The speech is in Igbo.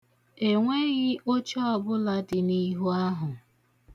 Enweghị oche ọbụla dị n'ihu ahụ.